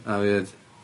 A fi 'yd.